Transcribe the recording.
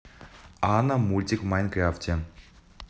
анна мультик в майнкрафте